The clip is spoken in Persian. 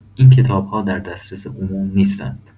این کتاب‌ها در دسترس عموم نیستند.